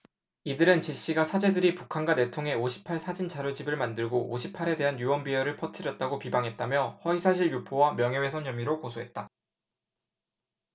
이들은 지씨가 사제들이 북한과 내통해 오 십 팔 사진자료집을 만들고 오 십 팔 에 대한 유언비어를 퍼뜨렸다고 비방했다며 허위사실 유포와 명예훼손 혐의로 고소했다